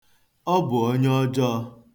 Onye bụ onye ọjọọ?